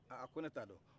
aa a ko ne t'a dɔn